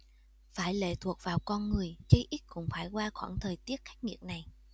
phải lệ thuộc vào con người chí ít cũng phải qua khoảng thời tiết khắc nghiệt này